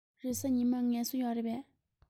རེས གཟའ ཉི མར ངལ གསོ ཡོད རེད པས